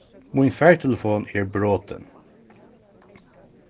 mín fartelefon er brotin